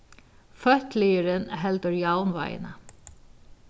fótliðurin heldur javnvágina